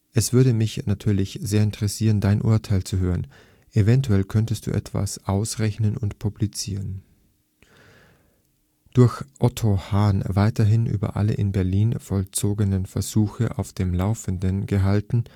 Es würde mich natürlich sehr interessieren, Dein Urteil zu hören. Eventuell könntest du etwas ausrechnen und publizieren. “Durch Otto Hahn weiterhin über alle in Berlin vollzogenen Versuche auf dem Laufenden gehalten